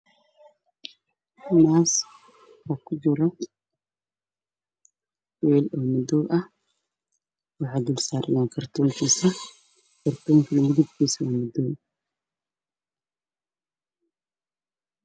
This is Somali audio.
Waa kartoon midabkiis yahay madow labo.